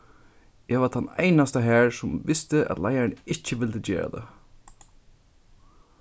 eg var tann einasta har sum visti at leiðarin ikki vildi gera tað